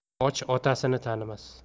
och otasini tanimas